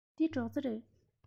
འདི སྒྲོག རྩེ རེད